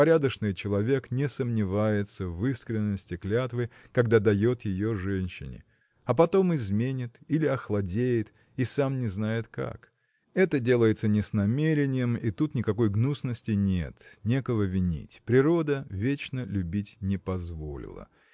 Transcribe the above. Порядочный человек не сомневается в искренности клятвы когда дает ее женщине а потом изменит или охладеет и сам не знает как. Это делается не с намерением и тут никакой гнусности нет некого винить природа вечно любить не позволила.